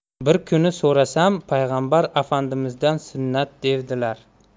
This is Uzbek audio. bir kuni so'rasam payg'ambar afandimizdan sunnat devdilar